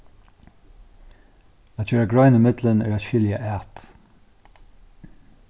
at gera grein ímillum er at skilja at